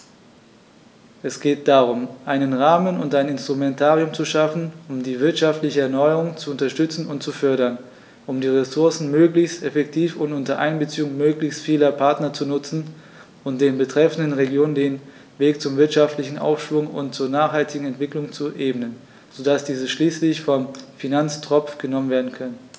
Es geht darum, einen Rahmen und ein Instrumentarium zu schaffen, um die wirtschaftliche Erneuerung zu unterstützen und zu fördern, um die Ressourcen möglichst effektiv und unter Einbeziehung möglichst vieler Partner zu nutzen und den betreffenden Regionen den Weg zum wirtschaftlichen Aufschwung und zur nachhaltigen Entwicklung zu ebnen, so dass diese schließlich vom Finanztropf genommen werden können.